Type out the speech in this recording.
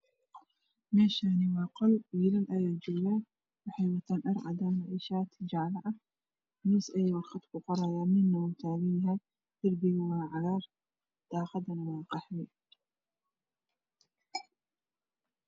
Meeshaani waa qol wiilal ayaa jogan warqado ayey wax ku qorayan minda wuu taagan yahay darbiga waa cadaan daaqada waa qaxwi